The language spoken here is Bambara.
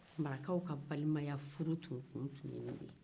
marakaw ka balimaya furu tun-kun tunye nin ye